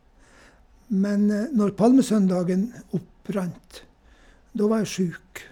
Men når palmesøndagen opprant, da var jeg sjuk.